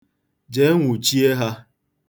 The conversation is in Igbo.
Jee, nwụchie ha.